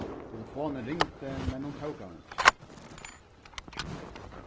telefonin ringdi men hon tók hana ikki